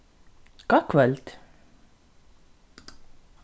gott kvøld